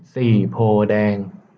สี่โพธิ์แดง